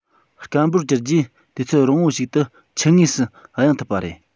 སྐམ པོར གྱུར རྗེས དུས ཚོད རིང བོ ཞིག ཏུ ཆུ ངོས སུ གཡེང ཐུབ པ རེད